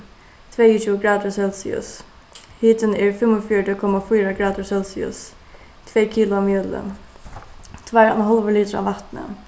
tveyogtjúgu gradir celsius hitin er fimmogfjøruti komma fýra gradir celsius tvey kilo av mjøli tveir og ein hálvur litur av vatni